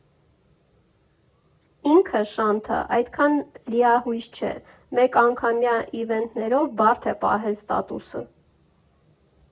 Ինքը՝ Շանթը, այդքան լիահույս չէ, մեկանգամյա իվենթներով բարդ է պահել ստատուսը.